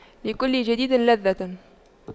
لكل جديد لذة